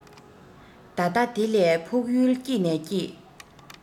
ད ལྟ དེ ལས ཕུགས ཡུལ སྐྱིད ནས སྐྱིད